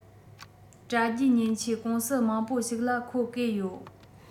དྲ རྒྱའི མཉེན ཆས ཀུང སི མང པོ ཞིག ལ ཁོ བརྐོས ཡོད